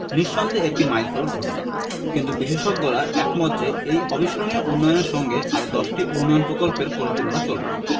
নিঃসন্দেহে একটি মাইলফলক ঘটনা কিন্তু বিশেষজ্ঞরা একমত যে এই অবিস্মরণীয় উন্নয়নের সঙ্গে আর দশটি উন্নয়ন প্রকল্পের কোনো তুলনা চলবে না